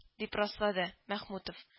—дип раслады мәхмүтов